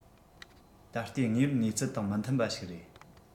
ད ལྟའི དངོས ཡོད གནས ཚུལ དང མི མཐུན པ ཞིག རེད